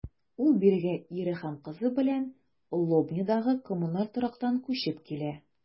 Ул бирегә ире һәм кызы белән Лобнядагы коммуналь торактан күчеп килә.